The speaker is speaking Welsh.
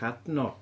Cadno.